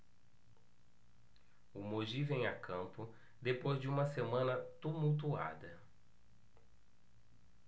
o mogi vem a campo depois de uma semana tumultuada